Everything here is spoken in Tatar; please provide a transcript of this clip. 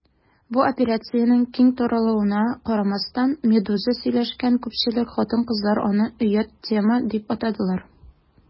Бу операциянең киң таралуына карамастан, «Медуза» сөйләшкән күпчелек хатын-кызлар аны «оят тема» дип атадылар.